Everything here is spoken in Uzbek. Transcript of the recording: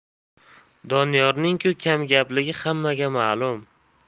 doniyorning ku kamgapligi hammaga ma'lum